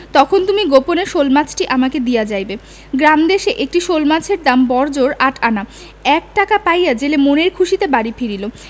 তখন তুমি গোপনে শোলমাছটি আমাকে দিয়া যাইবে গ্রামদেশে একটি শোলমাছের দাম বড়জোর আট আনা এক টাকা পাইয়া জেলে মনের খুশীতে বাড়ি ফিরিল